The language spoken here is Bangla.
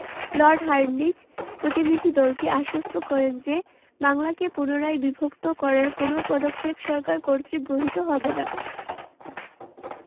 লর্ড হার্ডিঞ্জ প্রতিনিধিদলকে আশ্বস্ত করেন যে বাংলাকে পুনরায় বিভক্ত করার কোনো পদক্ষেপ সরকার কর্তৃক গৃহীত হবে না